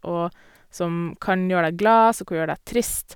Og som kan gjøre deg glad, som kan gjøre deg trist.